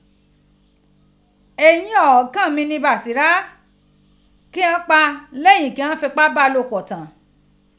Eyín ọ̀ọ́kán mi ni Bàsírá kí ghan pa leyìn kí ghan fipá bá a lòpọ̀ tán